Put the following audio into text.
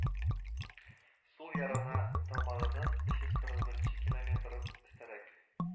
Сул ярына тамагыннан өч йөз кырык беренче километр өстәрәк